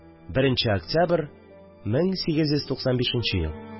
1 нче октябрь 1895 ел